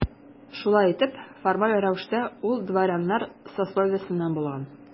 Шулай итеп, формаль рәвештә ул дворяннар сословиесеннән булган.